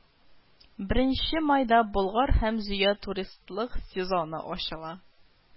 Беренче майда болгар һәм зөя туристлык сезоны ачыла